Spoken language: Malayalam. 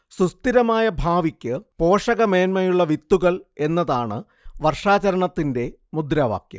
സുസ്ഥിരമായ ഭാവിക്ക് പോഷകമേന്മയുള്ള വിത്തുകൾ എന്നതാണ് വർഷാചരണത്തിന്റെ മുദ്രാവാക്യം